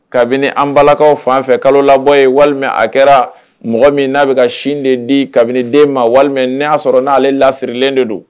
Kabini an balakaw fanfɛ kalo labɔ ye walima a kɛra mɔgɔ min na bi ka sin de di kabini den ma walima na ya sɔrɔ nale lasrilen de don